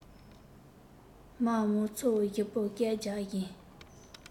མ མང ཚོ བཞི པོ སྐད རྒྱག བཞིན